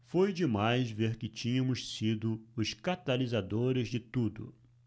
foi demais ver que tínhamos sido os catalisadores de tudo